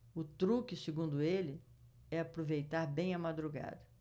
o truque segundo ele é aproveitar bem a madrugada